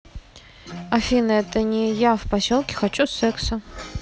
афина это не я в поселке хочу секса